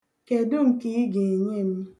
Kedụ nke ị ga-enye m?